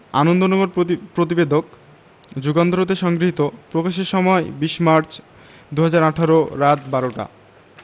আনন্দনগর প্রতিবেদক যুগান্তর হতে সংগৃহীত প্রকাশের সময় ২০মার্চ ২০১৮ রাত ১২:০০ টা